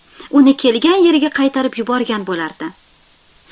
uni kelgan yeriga qaytarib yuborgan bo'lardi